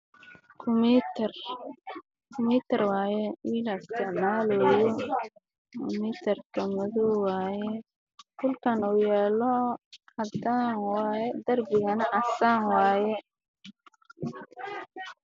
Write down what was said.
Meeshaan waxaa yaalo laabtoob jajaban oo madow